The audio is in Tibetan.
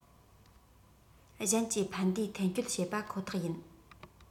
གཞན གྱི ཕན བདེ འཐེན སྤྱོད བྱེད པ ཁོ ཐག ཡིན